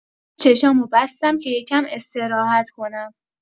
چشامو بستم که یکم استراحت کنم.